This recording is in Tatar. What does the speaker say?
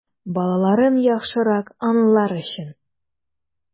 Балаларын яхшырак аңлар өчен!